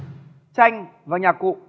tranh và nhạc cụ